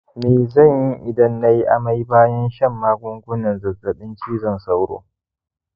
me zan yi idan na yi amai bayan shan magungunan zazzabin cizon sauro